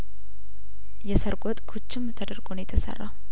የሰርጉ ወጥ ኩችም ተደርጐ ነው የተሰራው